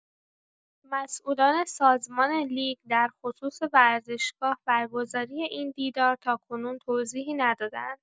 مسئولان سازمان لیگ در خصوص ورزشگاه برگزاری این دیدار تاکنون توضیحی نداده‌اند.